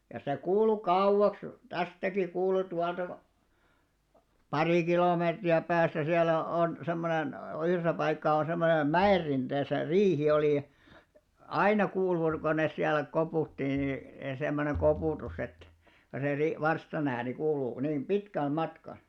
ja se kuului kauaksi tästäkin kuului tuolta - pari kilometriä päässä siellä on semmoinen yhdessä paikkaa on semmoinen mäenrinteessä riihi oli ja aina - kun ne siellä koputti niin semmoinen koputus että kyllä se - varstan ääni kuuluu kun niin pitkälle matkaa